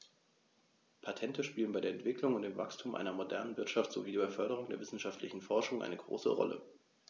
Patente spielen bei der Entwicklung und dem Wachstum einer modernen Wirtschaft sowie bei der Förderung der wissenschaftlichen Forschung eine große Rolle.